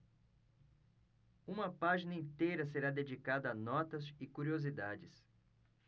uma página inteira será dedicada a notas e curiosidades